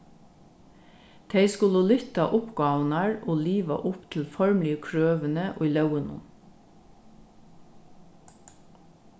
tey skulu lyfta uppgávurnar og liva upp til formligu krøvini í lógunum